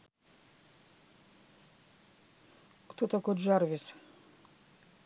кто такой джарвис